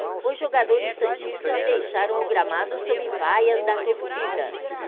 os jogadores santistas deixaram o gramado sob vaias da torcida